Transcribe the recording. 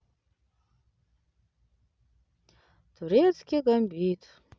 турецкий гамбит